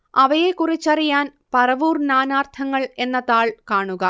അവയെക്കുറിച്ചറിയാൻ പറവൂർ നാനാർത്ഥങ്ങൾ എന്ന താൾ കാണുക